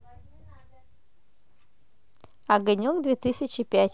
огонек две тысячи пять